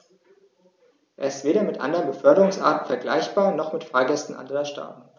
Er ist weder mit anderen Beförderungsarten vergleichbar, noch mit Fahrgästen anderer Staaten.